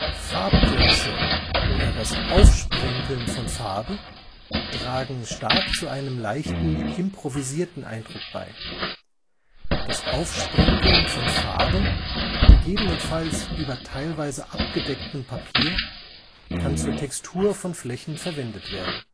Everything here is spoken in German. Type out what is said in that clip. Farbkleckse oder das Aufsprenkeln von Farbe tragen stark zu einem leichten, improvisierten Eindruck bei. Das Aufsprenkeln von Farbe, gegebenenfalls über teilweise abgedecktem Papier, kann zur Textur von Flächen verwendet werden